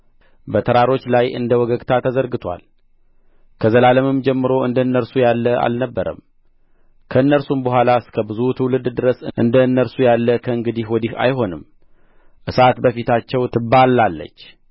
በተራሮች ላይ እንደ ወገግታ ተዘርግቶአል ከዘላለምም ጀምሮ እንደ እነርሱ ያለ አልነበረም ከእነርሱም በኋላ እስከ ብዙ ትውልድ ድረስ እንደ እነርሱ ያለ ከእንግዲህ ወዲህ አይሆንም እሳት በፊታቸው ትባላለች